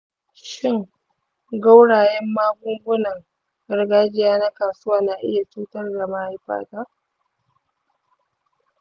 shin gaurayen magungunan gargajiya na kasuwa na iya cutar da mahaifata?